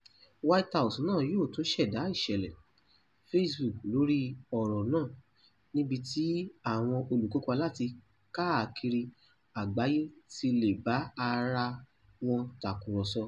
White House náà yóò tún ṣẹ̀dá "ìṣẹ̀lẹ̀" Facebook lórí ọ̀rọ̀ náà níbi tí àwọn olùkópa láti káàkiri àgbáyé ti lè bá ara wọn tàkúrọ̀sọ̀.